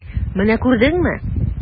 Менә күрдеңме?